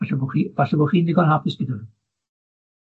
Falle bo' chi falle bo' chi'n ddigon hapus gyda 'wn.